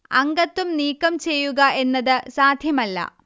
അംഗത്വം നീക്കം ചെയ്യുക എന്നത് സാധ്യമല്ല